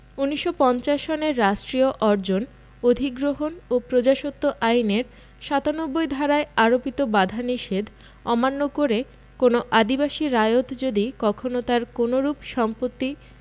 ১৯৫০ সনের রাষ্ট্রীয় অর্জন অধিগ্রহণ ও প্রজাস্বত্ব আইনের ৯৭ ধারায় আরোপিত বাধানিষেধ অমান্য করে কোনও আদিবাসী রায়ত যদি কখনো তার কোনরূপ সম্পত্তি